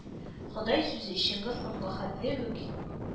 “ходай“ сүзе чыңгыз ханга хәтле үк